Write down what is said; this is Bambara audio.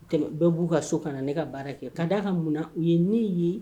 Dɔ b'u ka so ka na ne ka baara kɛ, ka da kan Muna, u ye ne ye.